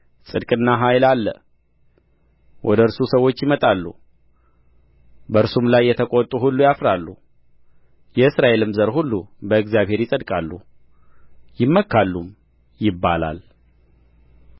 ጽድቅና ኃይል አለ ወደ እርሱም ሰዎች ይመጣሉ በእርሱም ላይ የተቈጡ ሁሉ ያፍራሉ የእስራኤልም ዘር ሁሉ በእግዚአብሔር ይጸድቃሉ ይመካሉም ይባላል